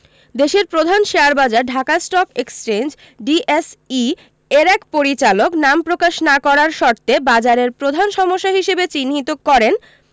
দেশের প্রধান শেয়ারবাজার ঢাকা স্টক এক্সচেঞ্জ ডিএসই এর এক পরিচালক নাম প্রকাশ না করার শর্তে বাজারের প্রধান সমস্যা হিসেবে চিহ্নিত করেন